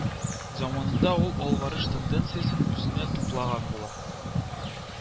Заманында ул алгарыш тенденциясен үзенә туплаган була